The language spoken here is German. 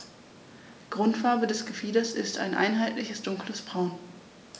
Grundfarbe des Gefieders ist ein einheitliches dunkles Braun.